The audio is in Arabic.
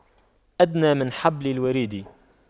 أدنى من حبل الوريد